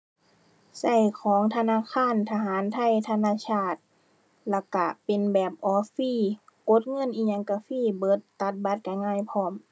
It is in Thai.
ใช้ของธนาคารทหารไทยธนชาต แล้วใช้เป็นแบบ all free กดเงินอิหยังใช้ฟรีเบิด ตัดบัตรใช้ง่ายพร้อม